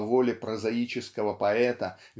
по воле прозаического поэта